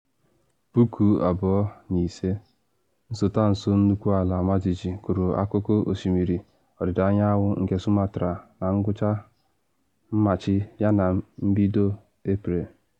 2005: Nsotanso nnukwu ala ọmajiji kụrụ akụkụ osimiri ọdịda anyanwụ nke Sumatra na ngwụcha Machị yana na mbido Eprel.